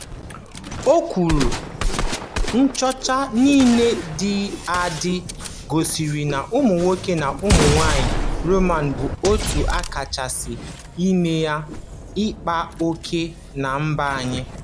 O kwuru: Nchọcha niile dị adị gosiri na ụmụnwoke na ụmụnwaanyị Roma bụ òtù a kacha emenye ịkpa oke na mba anyị.